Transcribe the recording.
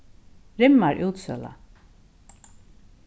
rimmar útsøla